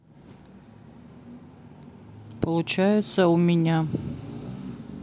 получается у меня